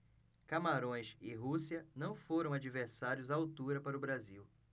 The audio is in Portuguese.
camarões e rússia não foram adversários à altura para o brasil